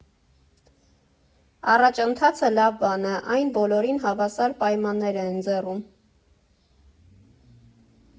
Առաջընթացը լավ բան է, այն բոլորին հավասար պայմաններ է ընձեռում։